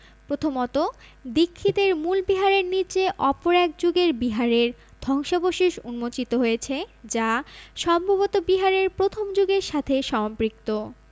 প্রথমত দীক্ষিতের মূল বিহারের নিচে অপর এক যুগের বিহারের ধ্বংসাবশেষ উন্মোচিত হয়েছে যা সম্ভবত বিহারের প্রথম যুগের সাথে সম্পৃক্ত